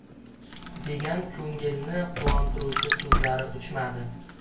degan ko'ngilni quvontiruvchi so'zlari uchmadi